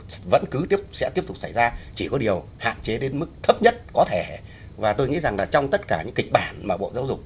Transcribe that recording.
vẫn cứ tiếp sẽ tiếp tục xảy ra chỉ có điều hạn chế đến mức thấp nhất có thể và tôi nghĩ rằng trong tất cả kịch bản mà bộ giáo dục